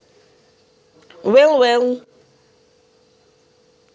well well